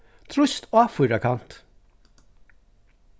trýst á fýrakant